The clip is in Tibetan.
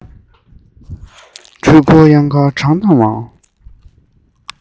འཕྲུལ འཁོར གཡང དཀར གྲངས དང མང